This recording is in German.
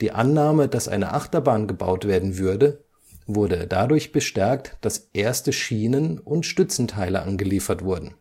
Annahme, dass eine Achterbahn gebaut werden würde, wurde dadurch bestärkt, dass erste Schienen - und Stützenteile angeliefert wurden